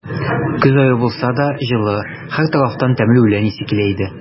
Көз ае булса да, җылы; һәр тарафтан тәмле үлән исе килә иде.